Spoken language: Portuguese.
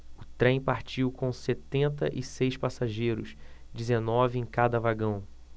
o trem partiu com setenta e seis passageiros dezenove em cada vagão